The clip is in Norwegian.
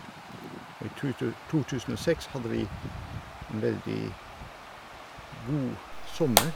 Og i tu tu to tusen og seks hadde vi en veldig god sommer.